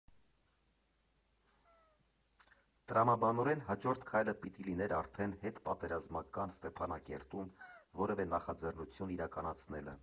Տրամաբանորեն հաջորդ քայլը պիտի լիներ արդեն հետպատերազմական Ստեփանակերտում որևէ նախաձեռնություն իրականացնելը։